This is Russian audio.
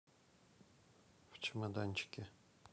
в чемоданчике